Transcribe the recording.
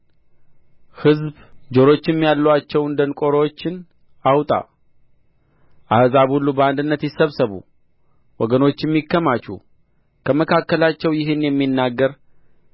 ሕዝብ ጆሮችም ያሉአቸውን ደንቆሮቹን አውጣ አሕዛብ ሁሉ በአንድነት ይሰብሰቡ ወገኖችም ይከማቹ ከመካከላቸው ይህን የሚናገር